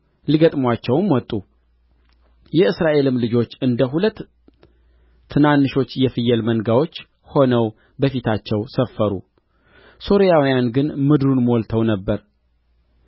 ሊገጥሙአቸውም ወጡ የእስራኤልም ልጆች እንደ ሁለት ትናንሾች የፍየል መንጋዎች ሆነው በፊታቸው ሰፈሩ ሶርያውያን ግን ምድሩን ሞልተው ነበር